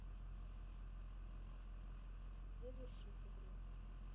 завершить игру